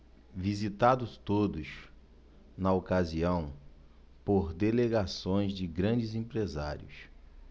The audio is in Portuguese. visitados todos na ocasião por delegações de grandes empresários